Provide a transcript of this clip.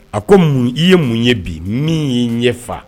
A ko mun i ye mun ye bi min y'i ɲɛ fa